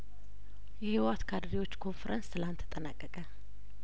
የህወሀት ካድሬዎች ኮንፈረንስ ትናንት ተጠናቀቀ